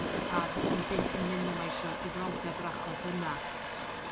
A a fyswn i byth in minimeisio difroldeb yr achos yna.